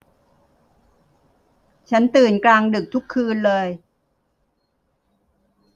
ฉันตื่นกลางดึกทุกคืนเลย